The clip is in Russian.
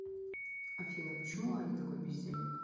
афина почему али такой бездельник